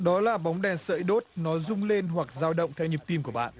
đó là bóng đèn sợi đốt nó rung lên hoặc dao động theo nhịp tim của bạn